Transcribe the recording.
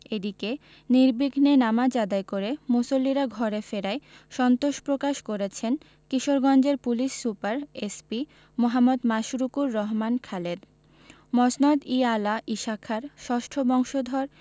এদিকে নির্বিঘ্নে নামাজ আদায় করে মুসল্লিরা ঘরে ফেরায় সন্তোষ প্রকাশ করেছেন কিশোরগঞ্জের police super SP Md. Mashrukur Rahman Khaled মসনদ ই আলা ঈশাখার ষষ্ঠ বংশধর